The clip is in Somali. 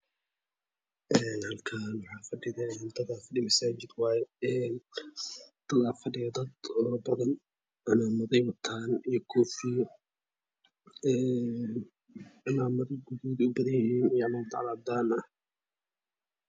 Halkaan dada baa fadhiyo masaajid wayee Dada baa fadhiyo dad padan cimamadii wataan iyo koofiyado cimaamado guduud bey ubadan yihiin iyo cimaamado cadaan ah